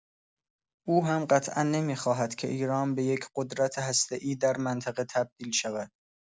او هم قطعا نمی‌خواهد که ایران به یک قدرت هسته‌ای در منطقه تبدیل شود.